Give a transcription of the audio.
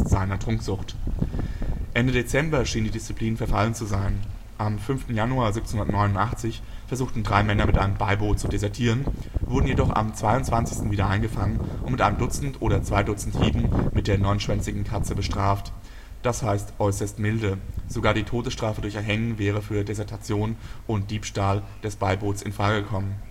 seiner Trunksucht. Ende Dezember scheint die Disziplin verfallen zu sein. Am 5. Januar 1789 versuchten drei Männer mit einem Beiboot zu desertieren, wurden jedoch am 22. wieder eingefangen und mit einem Dutzend oder zwei Dutzend Hieben mit der Neunschwänzigen Katze bestraft, das heißt äußerst milde: Sogar die Todesstrafe durch Erhängen wäre für Desertion und Diebstahl des Beibootes in Frage gekommen